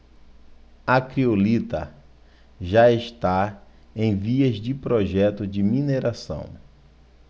a criolita já está em vias de projeto de mineração